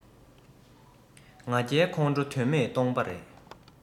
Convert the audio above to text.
ང རྒྱལ ཁོང ཁྲོ དོན མེད སྟོང པ རེད